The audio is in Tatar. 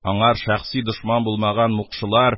Аңар шәхси дошман булмаган мукшылар